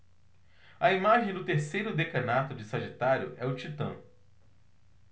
a imagem do terceiro decanato de sagitário é o titã